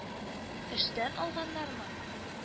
Эштән алганнармы